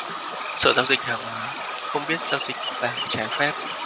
sở giao dịch hàng hóa không biết giao dịch vàng trái phép